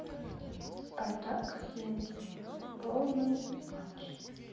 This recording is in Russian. спартак химки полный матч